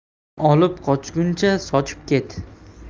olib qochguncha sochib ket